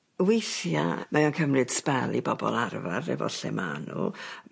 weithia mae o'n cymryd sbel i bobol arfar efo lle ma' n'w